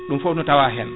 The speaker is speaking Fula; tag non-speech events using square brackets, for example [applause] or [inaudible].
ɗum foof no tawa hen [noise]